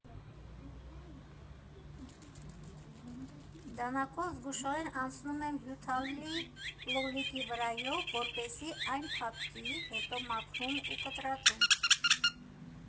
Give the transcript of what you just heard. Դանակով զգուշորեն անցնում եմ հյութալի լոլիկի վրայով, որպեսզի այն փափկի, հետո մաքրում ու կտրատում։